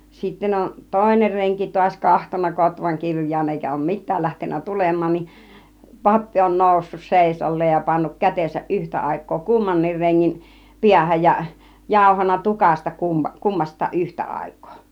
sitten on toinen renki taas katsonut kotvan kirjaan eikä ole mitään lähtenyt tulemaan niin pappi on noussut seisaalleen ja pannut kätensä yhtä aikaa kummankin rengin päähän ja jauhanut tukasta - kummastakin yhtä aikaa